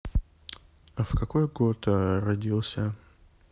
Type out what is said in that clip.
а в какой год родился